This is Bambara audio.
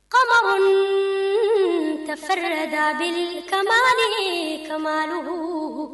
Kaba tɛfe da kamalenin kadugu